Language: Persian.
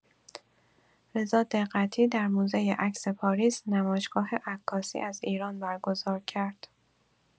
رضا دقتی در موزه عکس پاریس نمایشگاه عکاسی از ایران برگزار کرد.